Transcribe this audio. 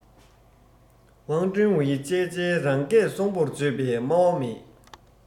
ཝང ཀྲེན ཝུའེ བཅས མཇལ རང སྐད སྲོང པོར བརྗོད པའི སྨྲ བ མེད